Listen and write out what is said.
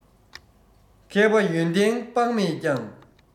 མཁས པ ཡོན ཏན དཔག མེད ཀྱང